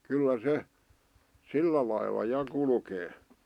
kyllä se sillä lailla ja kulkee